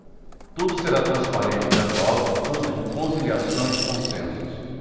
tudo será transparente e gradual fruto de conciliações e consensos